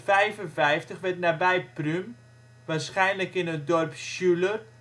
855 werd nabij Prüm, waarschijnlijk in het dorp Schüller